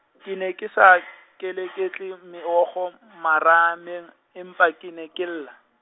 ke ne ke sa, keleketle, meokgo, marameng, empa ke ne ke lla.